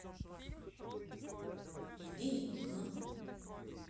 мне не нужна